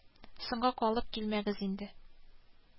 Бәлки, йөгереп котыла алыр?